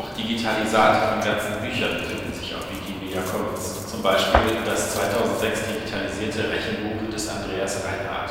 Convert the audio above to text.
Digitalisate von ganzen Büchern befinden sich auf Wikimedia Commons, zum Beispiel das 2006 digitalisierte Rechenbuch des Andreas Reinhard